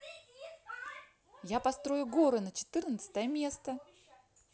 я построю горы на четырнадцатое место